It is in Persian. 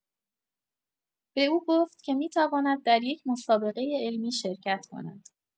به او گفت که می‌تواند در یک مسابقۀ علمی شرکت کند.